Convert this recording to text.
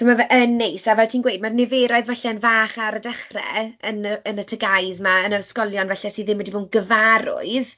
So mae fe yn neis. A fel ti'n gweud, mae'r niferoedd falle yn fach ar y dechre yn y yn y TGAU 'ma yn yr ysgolion falle sy ddim wedi bod yn gyfarwydd.